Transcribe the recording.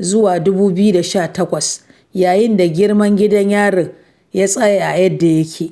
zuwa 2018, yayin da girman gidan yarin ya tsaya yadda yake.